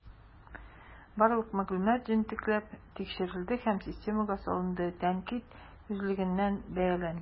Барлык мәгълүмат җентекләп тикшерелде һәм системага салынды, тәнкыйть күзлегеннән бәяләнде.